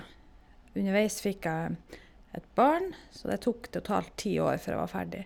Underveis fikk jeg et barn, så det tok totalt ti år før jeg var ferdig.